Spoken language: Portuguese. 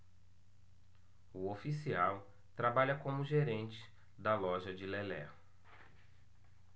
o oficial trabalha como gerente da loja de lelé